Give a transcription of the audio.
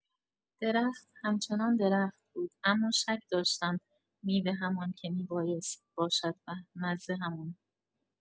درخت، همچنان درخت بود، اما شک داشتم میوه همان که می‌بایست باشد و مزه همان!